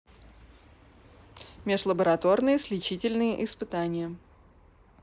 межлабораторные сличительные испытания